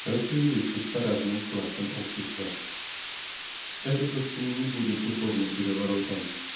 распределившись по разным классам общества. Это собственно не будет духовным переворотом